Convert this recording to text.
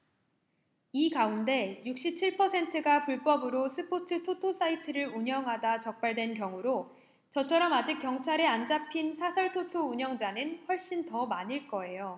이 가운데 육십 칠 퍼센트가 불법으로 스포츠 토토 사이트를 운영하다 적발된 경우로 저처럼 아직 경찰에 안 잡힌 사설 토토 운영자는 훨씬 더 많을 거예요